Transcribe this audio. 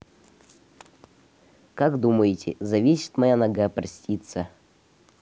как думаете зависит моя нога простится